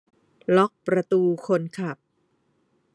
ล็อกประตูคนขับ